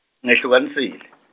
ngehlukanisile.